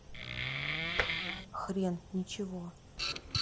хрен ничего